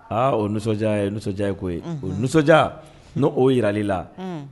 O nisɔn nisɔn ye koyi o nisɔn n' oo jirali la